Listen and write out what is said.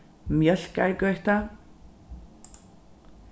mjólkargøta